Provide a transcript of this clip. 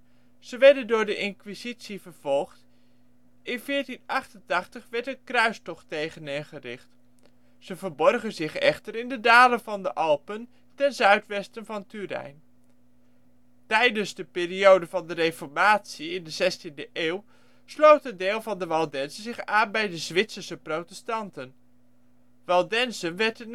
Ze werden door de inquisitie vervolgd. In 1488 werd een kruistocht tegen hen gericht; ze verborgen zich echter in de dalen van de Alpen, ten zuidwesten van Turijn. Tijdens de periode van de reformatie (zestiende eeuw) sloot een deel van de Waldenzen zich aan bij de Zwitserse protestanten. Waldenzen werd de